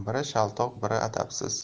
biri shaltoq biri adabsiz